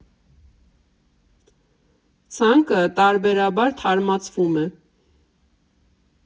Ցանկը պարբերաբար թարմացվում է։